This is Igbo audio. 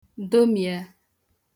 domị̀a